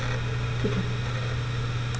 Bitte.